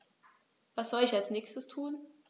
Was soll ich als Nächstes tun?